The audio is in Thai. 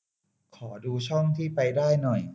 ขอดูช่องที่ไปได้หน่อย